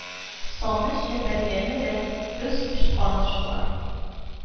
Саны чәпәлгәне дә, без очканы шулар